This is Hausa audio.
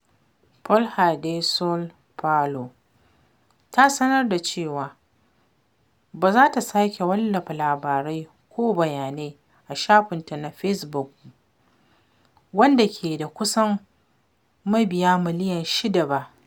Folha de São Paulo ta sanar da cewa ba za ta sake wallafa labarai ko bayanai a shafinta na Facebook wanda ke da kusan mabiya miliyan shida ba.